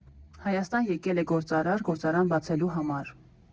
Հայաստան եկել է գործարար գործարան բացելու համար։